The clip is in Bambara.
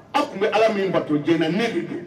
Aw tun bɛ ala min bato j ne bɛ kɛ